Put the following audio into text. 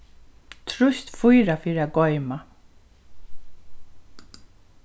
trýst fýra fyri at goyma